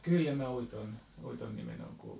kyllä minä Uiton Uiton nimen olen kuullut